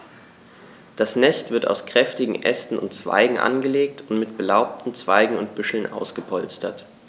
Das Nest wird aus kräftigen Ästen und Zweigen angelegt und mit belaubten Zweigen und Büscheln ausgepolstert.